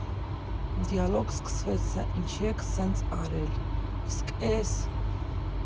Դիալոգ սկսվեց՝ սա՞ ինչի եք սենց արել, իսկ է՞ս։